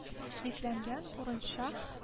Йөкләнгән бурыча